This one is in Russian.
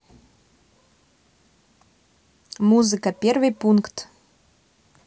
музыка первый пункт